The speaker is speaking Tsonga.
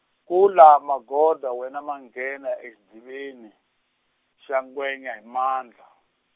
kula Magoda wena Manghena exidziveni, xa ngwenya hi mandla.